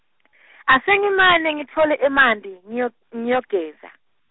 Asengimane ngitfole emanti, ngiyo, ngiyogeza.